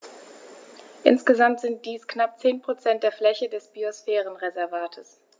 Insgesamt sind dies knapp 10 % der Fläche des Biosphärenreservates.